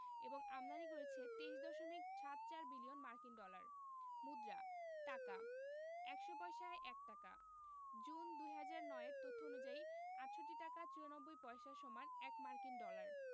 এবং আমদানি করেছে ২৩দশমিক সাত চার বিলিয়ন মার্কিন ডলার মুদ্রাঃ টাকা ১০০ পয়সায় ১ টাকা জুন ২০০৯ এর তথ্য অনুযায়ী ৬৮ টাকা ৯৪ পয়সা = ১ মার্কিন ডলার